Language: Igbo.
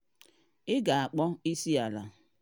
Ị ga-akpọ isi n’ala.